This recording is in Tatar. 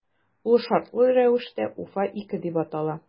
Ул шартлы рәвештә “Уфа- 2” дип атала.